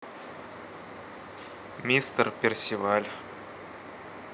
мистер персиваль